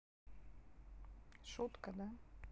шутка да